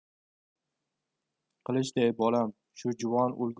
qilichday bolam shu juvon